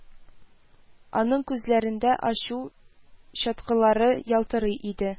Аның күзләрендә ачу чаткылары ялтырый иде